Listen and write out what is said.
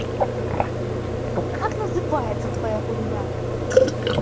как называется твоя хуйня